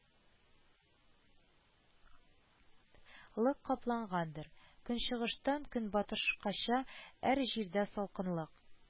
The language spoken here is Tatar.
Лык каплагандыр, көнчыгыштан көнбатышкача әр җирдә салкынлык